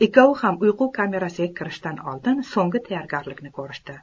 ikkovi ham uyqu kamerasiga kirishdan oldin so'nggi tayyorgarlikni ko'rishdi